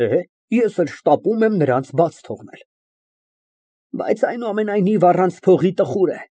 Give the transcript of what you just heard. Էհ, ես էլ շտապում եմ նրանց բաց թողնել։ Բայց, այնուամենայնիվ, առանց փողի տխուր է։